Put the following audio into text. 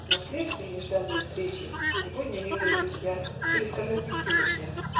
Но следствия нежданной встречи Сегодня, милые друзья, Пересказать не в силах я